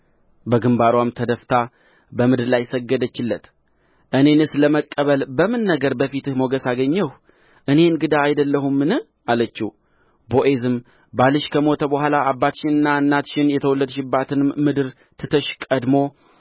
በግምባርዋም ተደፍታ በምድር ላይ ሰገደችለት እኔንስ ለመቀበል በምን ነገር በፊትህ ሞገስ አገኘሁ እኔ እንግዳ አይደለሁምን አለችው ቦዔዝም ባልሽ ከሞተ በኋላ አባትሽንና እናትሽን የተወለድሽባትንም ምድር ትተሽ ቀድሞ